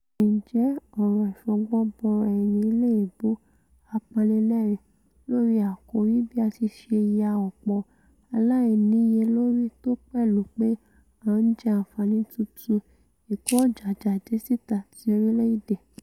Ǹjẹ́ ọ̀rọ̀ ìfọgbọ́nbúraẹni léèébu apanilẹ́ẹ̀rín lórí àkòrí bí a tiṣe ya ọ̀pọ̀ aláìníyelórí tó pẹ̀lu pé a ńjẹ ànfààní tuntun ìkó-ọjàjádesíta ti orilẹ̵-ede?